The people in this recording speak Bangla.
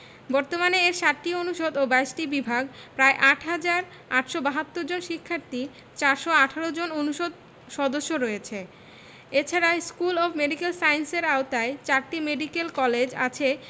বর্তমানে এর ৭টি অনুষদ ও ২২টি বিভাগ প্রায় ৮ হাজার ৮৭২ জন শিক্ষার্থী ৪১৮ জন অনুষদ সদস্য রয়েছে এছাড়া স্কুল অব মেডিক্যাল সায়েন্সের আওতায় চারটি মেডিক্যাল কলেজ আছে